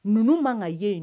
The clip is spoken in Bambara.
Ninnu man ka ye yen